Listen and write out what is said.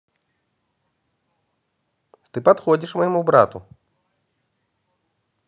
ты подходишь моему брату